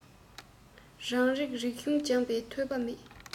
རང རིགས རིག གཞུང སྦྱངས པའི ཐོས པ མེད